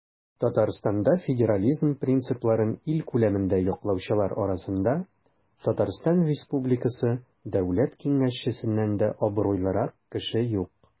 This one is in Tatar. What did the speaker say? Татарстанда федерализм принципларын ил күләмендә яклаучылар арасында ТР Дәүләт Киңәшчесеннән дә абруйлырак кеше юк.